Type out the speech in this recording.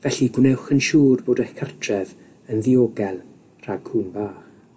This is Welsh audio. Felly gwnewch yn siŵr bod eich cartref yn ddiogel rhag cŵn bach.